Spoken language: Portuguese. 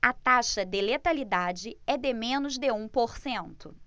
a taxa de letalidade é de menos de um por cento